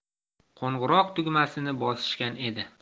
qo'ng'irok tugmasini bosishgan edi